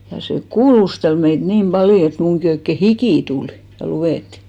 ja se kuulusteli meitä niin paljon että minunkin oikein hiki tuli ja luetti